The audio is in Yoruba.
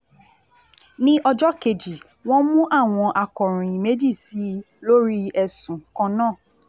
Ní ọjọ́ kejì, wọ́n mú àwọn akọ̀ròyìn méjì síi lórí ẹ̀sùn kan náà.